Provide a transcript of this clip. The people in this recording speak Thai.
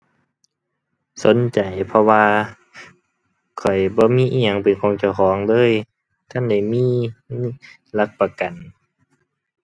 สนใจ เพราะว่าข้อยบ่มีอิหยังเป็นของเจ้าของเลย ทันได้มี หลักประกัน